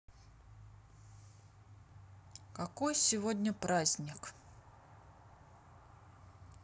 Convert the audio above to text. какой сегодня праздник